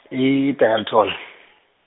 e- Dennilton.